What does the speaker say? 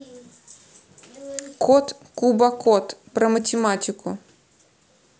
кот кубокот про математику